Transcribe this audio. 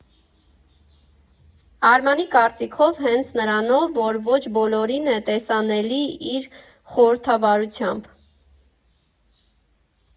Արմանի կարծիքով, հենց նրանով, որ ոչ բոլորին է տեսանելի, իր խորհրդավորությամբ։